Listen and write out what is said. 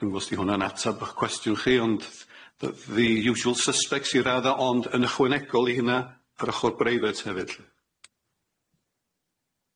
Dwi'm yn gwbo os di hwnna'n ateb o'ch cwestiwn chi ond th- the the usual suspects i radda ond yn ychwanegol i hynna ar ochor breifat hefyd 'lly.